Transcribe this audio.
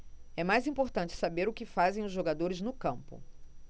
é mais importante saber o que fazem os jogadores no campo